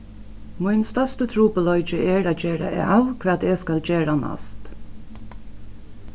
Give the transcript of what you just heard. mín størsti trupulleiki er at gera av hvat eg skal gera næst